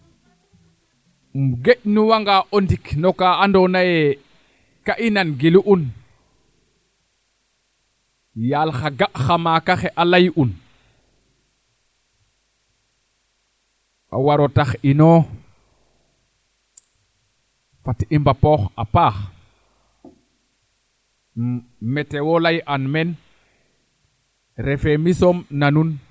im nge'ñuwa nga o ndik noka ando naye kaa i nan gilu un yaal xa ga xa maaka xe a ley un a waro tax ino fat i mbapoox a paax a paax meteo ley aan meen refe mi soom nanun